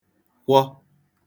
kwọ